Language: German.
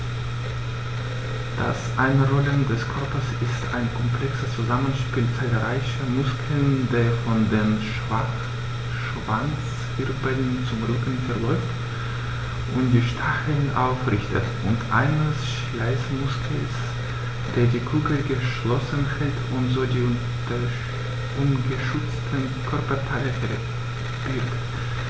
Das Einrollen des Körpers ist ein komplexes Zusammenspiel zahlreicher Muskeln, der von den Schwanzwirbeln zum Rücken verläuft und die Stacheln aufrichtet, und eines Schließmuskels, der die Kugel geschlossen hält und so die ungeschützten Körperteile verbirgt.